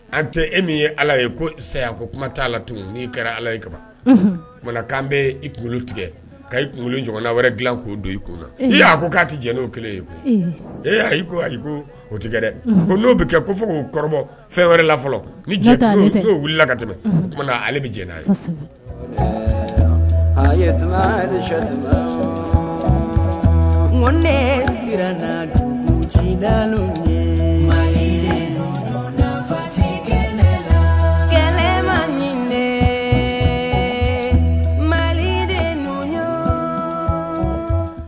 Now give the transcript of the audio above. An tɛ e min ye ala ye ko saya ko kuma t'a la tugun n'i kɛra ala ye ka tumaumana k'an bɛ i kunkolo tigɛ ka i kunkolo j wɛrɛ dilan k' don i kun na ni y'a ko k'a tɛ jɛnɛ' kelen ye e koko o tigɛ dɛ ko n'o bɛ kɛ ko fɔ k' kɔrɔ fɛn wɛrɛ la fɔlɔ ni ji tun wulila ka tɛmɛ tumaumana ale bɛ jɛ'a ye a ye nda ma ye fatila kɛlɛma min le mali le